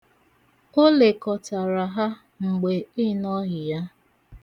Ọ lekọtara ha mgbe ị nọghị ya.